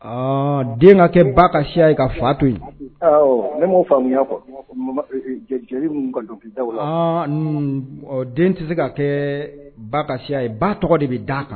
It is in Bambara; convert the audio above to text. den ka kɛ ba ka siya ye ka fa to yi ne m'o faamuya kuwa jeli ninnu ka dɔnkilidaw la den tɛ se ka kɛ ba ka siya ye ba tɔgɔ de bɛ d'a kan.